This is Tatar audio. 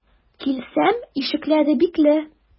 Килсәм, ишекләре бикле.